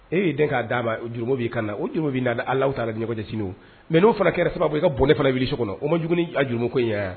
E y'i denkɛ k'a daba o juru'i kan na o jugu'i na ala taara la ɲɔgɔn cɛsin mɛ n'o fana kɛra sababu i ka bɔ ne fanailisi kɔnɔ o maugun ka juru ko in wa